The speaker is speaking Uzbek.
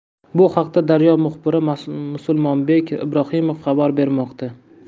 bu haqda daryo muxbiri musulmonbek ibrohimov xabar bermoqda